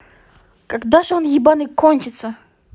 когда же он ебаный кончится